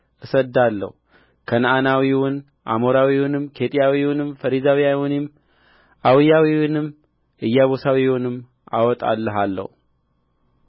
እሰድዳለሁ ከነዓናዊውን አሞራዊውንም ኬጢያዊውንም ፌርዛዊውንም ኤዊያዊውንም ኢያቡሳዊውንም አወጣልሃለሁ